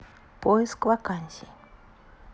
поиск вакансий